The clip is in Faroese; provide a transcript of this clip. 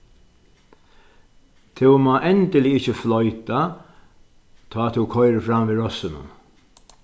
tú mást endiliga ikki floyta tá tú koyrir fram við rossunum